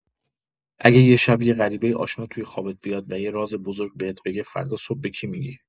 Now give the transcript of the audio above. اگه یه شب یه غریبۀ آشنا توی خوابت بیاد و یه راز بزرگ بهت بگه، فردا صبح به کی می‌گی؟